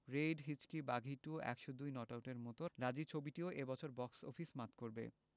Raid Hichki Baaghi two ১০২ not আউটের মতো রাজী ছবিটিও এ বছর বক্স অফিস মাত করবে